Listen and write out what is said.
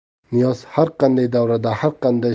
niyoz har qanday davrada har qanday